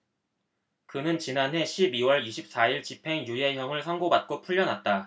그는 지난해 십 이 월 이십 사 일 집행유예형을 선고받고 풀려났다